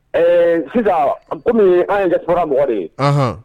Ɛɛ sisan kɔmi an ye kɛ tora mɔgɔ ye